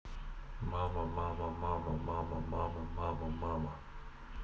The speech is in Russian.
мама мама мама мама мама мама мама